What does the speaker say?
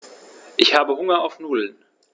Ich habe Hunger auf Nudeln.